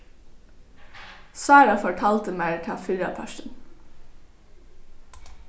sára fortaldi mær tað fyrrapartin